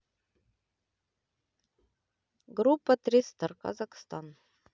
группа тристар казахстан